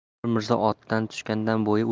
bobur mirzo otdan tushganda bo'yi